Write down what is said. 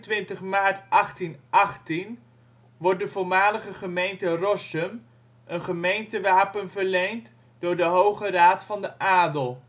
25 maart 1818 wordt de voormalige gemeente Rossum een gemeentewapen verleent door de Hoge Raad van de Adel